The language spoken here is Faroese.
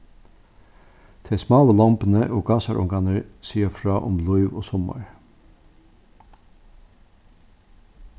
tey smáu lombini og gásarungarnir siga frá um lív og summar